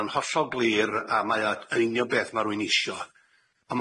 o'n hollol glir a mae o yr union beth ma' rywun isho, a